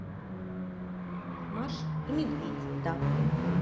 маша и медведь да